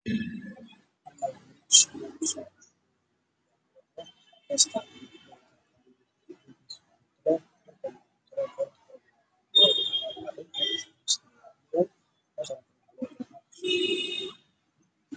Waa qol waxaa yaalo armaajoyin darbiga waa cadaan